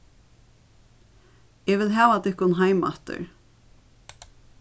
eg vil hava tykkum heim aftur